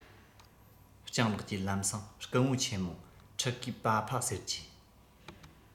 སྤྱང ལགས ཀྱིས ལམ སེང སྐུ ངོ ཆེན མོ ཕྲུ གུས པྰ ཕ ཟེར གྱིས